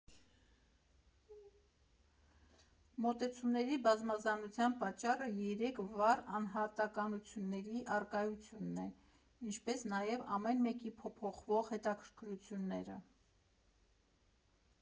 Մոտեցումների բազմազանության պատճառը երեք վառ անհատակությունների առկայությունն է, ինչպես նաև ամեն մեկի փոփոխվող հետաքրքրությունները։